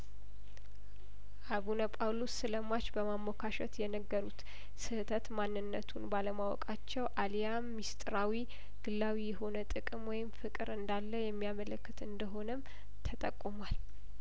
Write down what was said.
አቡነ ጳውሎስ ስለሟች በማሞካሸት የነገሩት ስህተት ማንነቱን ባለማወቃቸው አልያም ምስጢራዊ ግላዊ የሆነ ጥቅም ወይም ፍቅር እንዳለ የሚያመለክት እንደሆነም ተጠቁሟል